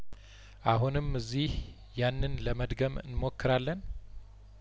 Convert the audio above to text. አሁንም እዚህ ያንን ለመድገም እንሞክራለን